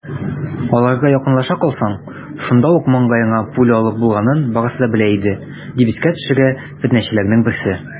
Аларга якынлаша калсаң, шунда ук маңгаеңа пуля алып булганын барысы да белә иде, - дип искә төшерә фетнәчеләрнең берсе.